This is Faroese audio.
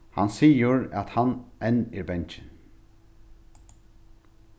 hann sigur at hann enn er bangin